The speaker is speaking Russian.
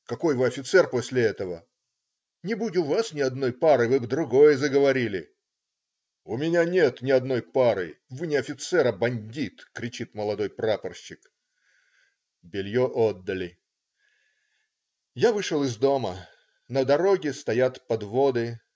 Какой вы офицер после этого!" "Не будь у вас ни одной пары, вы бы другое заговорили!" "У меня нет ни одной пары, вы не офицер, а бандит",- кричит молодой прапорщик. Белье отдали. Я вышел из дома. На дороге стоят подводы.